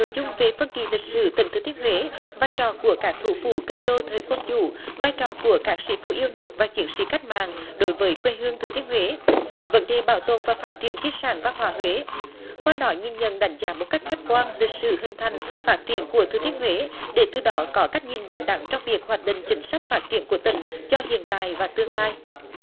nội dung về phân kỳ lịch sử tỉnh thừa thiên huế vai trò của cả thủ phủ kinh đô thời quân chủ vai trò của các sĩ phu yêu nước và chiến sĩ cách mạng đối với quê hương thừa thiên huế vấn đề bảo tồn và phát triển di sản văn hóa huế qua đó nhìn nhận đánh trẻ một cách khách quan lịch sử hình thành phát triển của thừa thiên huế để từ đó có cách nhìn đúng đắn trong việc hoạch định chính sách phát triển của tỉnh cho hiện tại và tương lai